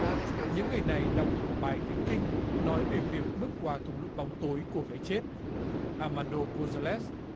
những người này đọc một bài thánh kinh nói về việc bước qua thung lũng bóng tối của cái chết a man đô gôn ra lét